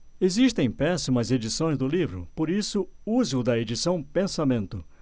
existem péssimas edições do livro por isso use o da edição pensamento